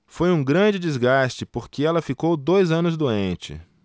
foi um grande desgaste porque ela ficou dois anos doente